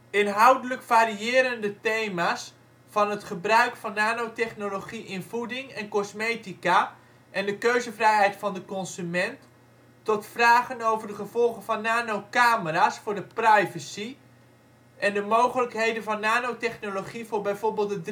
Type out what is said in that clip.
Inhoudelijk variëren de thema 's van het gebruik van nanotechnologie in voeding en cosmetica en de keuzevrijheid van de consument tot vragen over de gevolgen van nano-camera 's voor de privacy en de mogelijkheden van nanotechnologie voor bijvoorbeeld de